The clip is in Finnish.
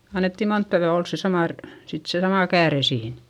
annettiin monta yötä olla se sama - sitten se sama kääre siinä